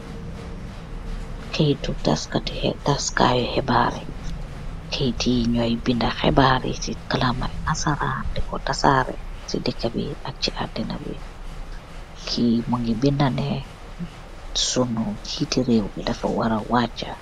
Kehyeeti tass Kai heebari, kehyeeti nyew bindex hebarri ce kalamal nasaraan di ko tasareh ce dehkaa bi ak ce aduna bi, ki mugeih bindehx neh sunyew geeti reehwuu mi dafa waraa wachaa.